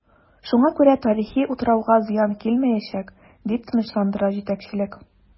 Шуңа күрә тарихи утрауга зыян килмиячәк, дип тынычландыра җитәкчелек.